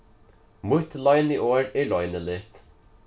mítt loyniorð er loyniligt